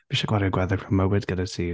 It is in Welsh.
Fi isie gwario gweddill fy mywyd gyda ti.